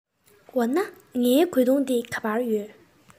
འོ ན ངའི གོས ཐུང དེ ག པར ཡོད